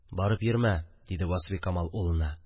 – барып йөрмә, – диде васфикамал улына